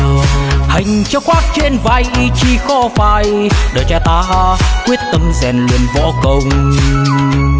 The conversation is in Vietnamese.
hành trang khoác trên vai ý chí khó phai đời trai ta quyết tâm rèn luyện võ công